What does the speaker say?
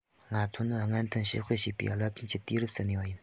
ང ཚོ ནི སྔ མཐུད ཕྱི སྤེལ བྱེད པའི རླབས ཆེན གྱི དུས རབས སུ གནས པ ཡིན